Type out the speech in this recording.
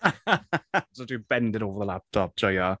I was literally bending over the laptop. Joio.